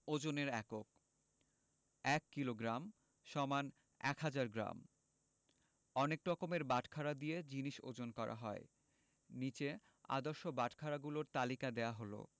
ওজনের এককঃ ১ kilogram = ১০০০ gram অনেক রকমের বাটখারা দিয়ে জিনিস ওজন করা হয় নিচে আদর্শ বাটখারাগুলোর তালিকা দেয়া হলঃ